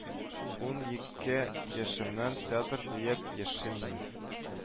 Унике яшемнән театр диеп яшим мин